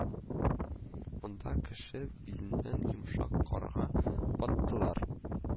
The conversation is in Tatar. Монда кеше биленнән йомшак карга баттылар